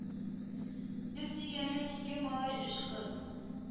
Без дигәнем ике малай өч кыз